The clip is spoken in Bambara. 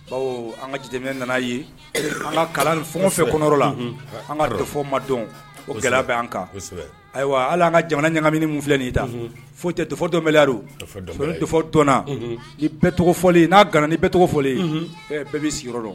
An ka nana' ye an ka kalan fɛn fɛ kɔnɔ la an ka dɔ ma dɔn o gɛlɛya bɛ an kan ayiwa ala an ka jamana ɲagamini filɛ nin ta tɛ totɔdutna bɛɛ to fɔlen n'a g ni bɛ tɔgɔ fɔlen bɛɛ bɛ sigiyɔrɔ dɔn